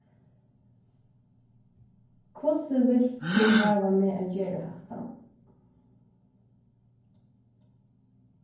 hvussu vilt tú hava meg at gera hatta